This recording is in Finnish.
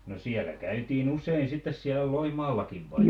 no siellä käytiin usein sitten siellä Loimaallakin vai